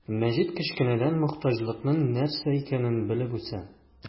Мәҗит кечкенәдән мохтаҗлыкның нәрсә икәнен белеп үсә.